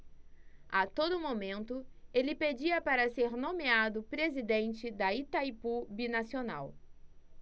a todo momento ele pedia para ser nomeado presidente de itaipu binacional